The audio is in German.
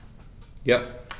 Ja.